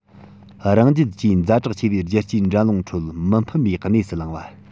རང རྒྱལ གྱིས ཛ དྲག ཆེ བའི རྒྱལ སྤྱིའི འགྲན སློང ཁྲོད མི ཕམ པའི གནས སུ ལངས པ